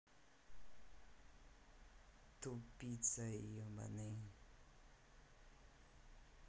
тупица ебаный